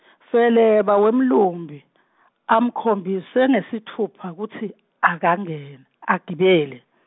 Feleba wemlumbi , amkhombise ngesitfupha kutsi, akangeni, agibele.